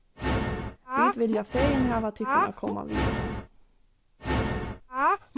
vit vilja fegin hava tykkum at koma við okkum